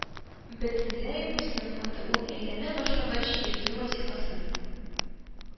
Бөтенләй буйсынмады, ул әйләнә башлагач, йөртү вазифасын